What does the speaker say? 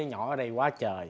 nhỏ ở đây quá chời